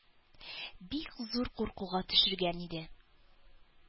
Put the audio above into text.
Бик зур куркуга төшергән иде.